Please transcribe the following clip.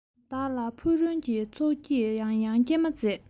བདག ལ ཕུག རོན གྱི ཚོགས ཀྱིས ཡང ཡང སྐྱེལ མ མཛད